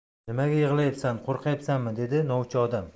nimaga yig'layapsan qo'rqayapsanmi dedi novcha odam